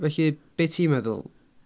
Felly, be ti'n meddwl?